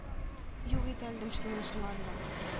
Юк итәлдем синең сыңарның.